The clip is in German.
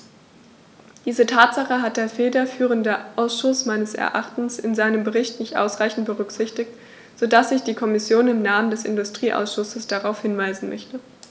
Diese Tatsache hat der federführende Ausschuss meines Erachtens in seinem Bericht nicht ausreichend berücksichtigt, so dass ich die Kommission im Namen des Industrieausschusses darauf hinweisen möchte.